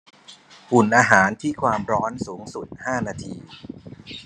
อุ่นอาหารที่ความร้อนสูงสุดห้านาที